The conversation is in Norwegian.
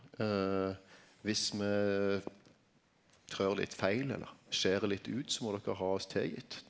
viss me trør litt feil eller skeiar litt ut så må dokker ha oss tilgitt.